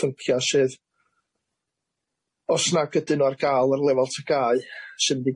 phyncia sydd os nag ydyn nw ar ga'l ar lefel tygau sy'n mynd